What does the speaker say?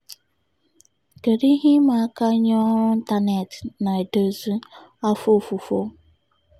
FN: Kedu ihe ịma aka nye ọrụ ịntanetị na-eduzi afọ ofufo?